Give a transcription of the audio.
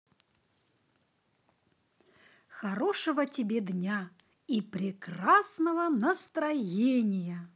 хорошего тебе дня и прекрасного настроения